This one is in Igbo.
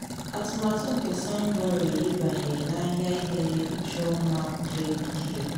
Atụmatụ nke Sainbury ịbanye n’ahịa ihe ịchọ mma nke UK